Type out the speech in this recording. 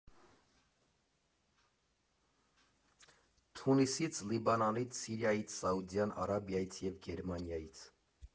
Թունիսից, Լիբանանից, Սիրիայից, Սաուդյան Արաբիայից և Գերմանիայից։